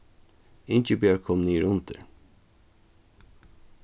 ingibjørg kom niðurundir